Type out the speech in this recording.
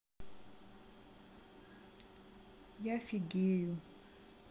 я фигею